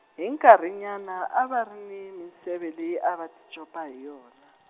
hi nkarhinyana a va ri ni, minseve leyi a va ti copa hi yona.